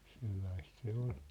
sellaista se oli